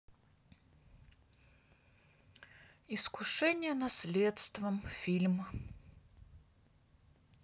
искушение наследством фильм